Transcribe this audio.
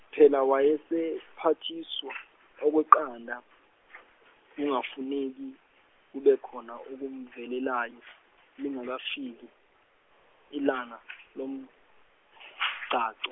phela wayesephathiswa okweqanda kungafuneki kubekhona okumvelelayo lingakafiki ilanga lomgcagco.